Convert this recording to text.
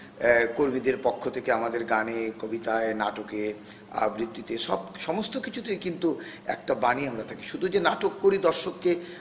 কর্মীদের পক্ষ থেকে আমাদের গানে কবিতায় নাটকে আবৃত্তিতে কিছু সমস্ত কিছুতে কিন্তু একটা বাণী আমাদের থাকে যে নাটক করি দর্শককে